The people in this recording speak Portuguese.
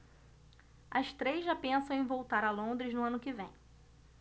as três já pensam em voltar a londres no ano que vem